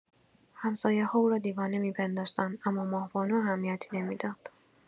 همسایه‌ها او را دیوانه می‌پنداشتند، اما ماه‌بانو اهمیتی نمی‌داد.